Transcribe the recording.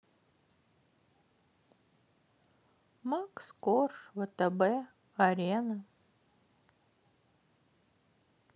макс корж втб арена